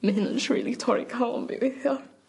Ma' hyn yn js rili torri calon fi .